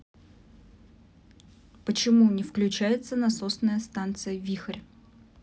почему не выключается насосная станция вихрь